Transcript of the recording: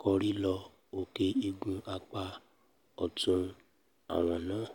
kọrí lọ òkè igun apá ọ̀tún àwọ̀n náà.